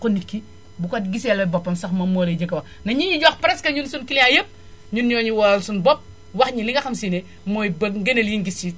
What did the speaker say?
ko nit ki bu ko gisalee boppam sax moom moo lay njëkk a wax ñi ñu jox presque ñun suñu client yépp ñun ñoo ñu woowal suñu bopp wax ñu li nga xam si ne mooy bë ngënéel yi ñu gis